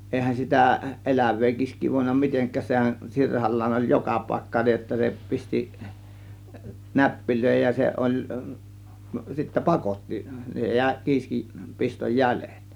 eihän sitä elävää kiiskeä voinut mitenkään sehän sirhallaan oli joka paikka niin jotta se pisti näppeihin ja se oli sitten pakotti jäi kiisken piston jäljet